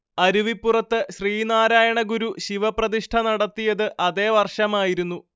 അരുവിപ്പുറത്തു് ശ്രീനാരായണഗുരു ശിവപ്രതിഷ്ഠ നടത്തിയതു് അതേ വർഷമായിരുന്നു